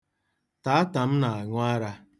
Taata m na-aṅụ ara.